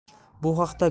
bu haqda